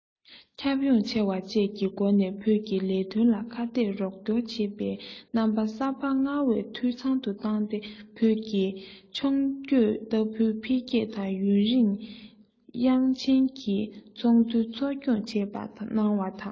ཁྱབ ཁོངས ཆེ བ བཅས ཀྱི སྒོ ནས བོད ཀྱི ལས དོན ལ ཁ གཏད རོགས སྐྱོར བྱེད པའི རྣམ པ གསར པ སྔར བས འཐུས ཚང དུ བཏང སྟེ བོད ཀྱི མཆོང སྐྱོད ལྟ བུའི འཕེལ རྒྱས དང ཡུན རིང དབྱང ཅིན གྱིས ཚོགས འདུ གཙོ སྐྱོང གནང བ དང